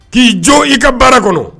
K'i jo i ka baara kɔnɔ